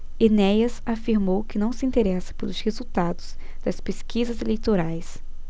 enéas afirmou que não se interessa pelos resultados das pesquisas eleitorais